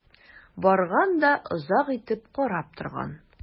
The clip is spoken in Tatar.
Барган да озак итеп карап торган.